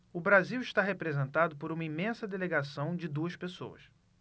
o brasil está representado por uma imensa delegação de duas pessoas